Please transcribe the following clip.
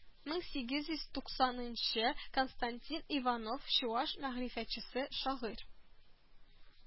Мең сигез йөз туксанынчы константин иванов, чуаш мәгърифәтчесе, шагыйрь